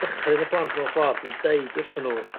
dychryn y plant mewn ffor dwi'n deud wrthon nw